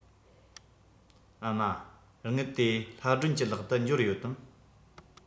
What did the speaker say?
ཨ མ དངུལ དེ ལྷ སྒྲོན གྱི ལག ཏུ འབྱོར ཡོད དམ